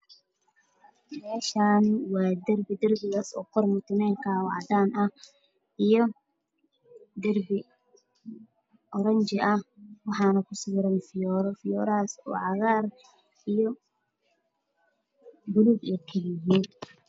Meeshan waaderbi derbigas okor mutalelka ah ocadan ah iyo derbi oronjiah waxana kusawiran fiyoore fiyorahas ocagar iyo bulug aykalayihiin